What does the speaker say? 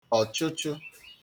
òchụchụ